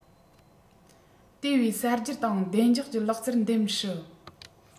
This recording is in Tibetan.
དེ བས གསར སྒྱུར དང བདེ འཇགས ཀྱི ལག རྩལ འདེམས སྲིད